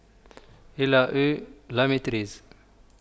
الى اي لاميتريز